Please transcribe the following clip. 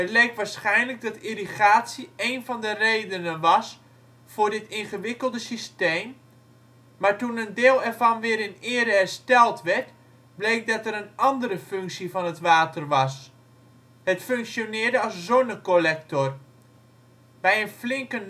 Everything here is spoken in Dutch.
leek waarschijnlijk dat irrigatie één van de redenen was voor dit ingewikkelde systeem, maar toen een deel ervan weer in ere hersteld werd bleek dat er een andere functie van het vele water was: het functioneerde als zonnecollector. Bij een flinke